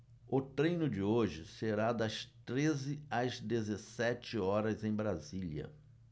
o treino de hoje será das treze às dezessete horas em brasília